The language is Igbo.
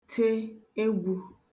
te egwū